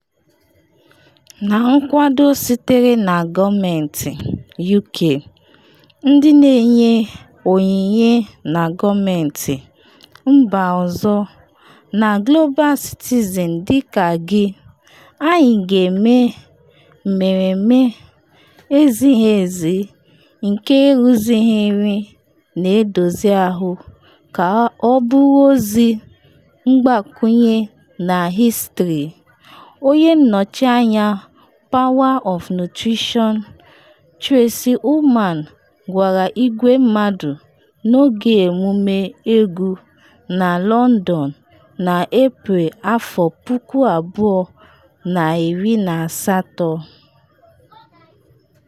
“Na nkwado sitere na gọọmentị UK, ndị na-enye onyinye na gọọmentị mba ọzọ, na Global Citizen dịka gị, anyị ga-eme mmeremme ezighi ezi nke erizughị nri na-edozi ahụ ka ọ bụrụ ozi mgbakwunye na hịstrị.” Onye nnọchi anya Power of Nutrition Tracey Ullman gwara igwe mmadụ n’oge emume egwu na London na Eprel 2018.